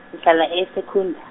ngihlala eSekhunda.